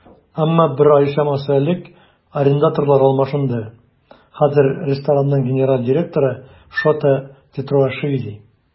Әмма бер ай чамасы элек арендаторлар алмашынды, хәзер ресторанның генераль директоры Шота Тетруашвили.